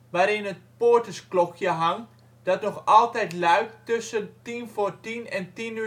waarin het poortersklokje hangt dat nog altijd luidt tussen 21.50 en 22.00